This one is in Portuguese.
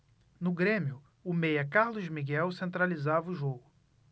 no grêmio o meia carlos miguel centralizava o jogo